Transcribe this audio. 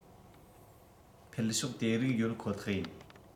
འཕེལ ཕྱོགས དེ རིགས ཡོད ཁོ ཐག ཡིན